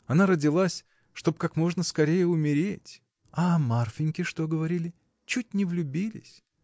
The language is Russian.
Она родилась, чтоб как можно скорее умереть. — А о Марфиньке что говорили? Чуть не влюбились!